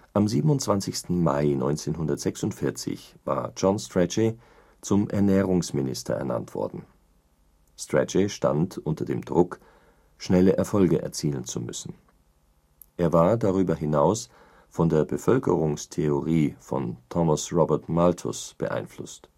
Am 27. Mai 1946 war John Strachey zum Ernährungsminister ernannt worden. Strachey stand unter dem Druck, schnelle Erfolge erzielen zu müssen. Er war darüber hinaus von der Bevölkerungstheorie von Thomas Robert Malthus beeinflusst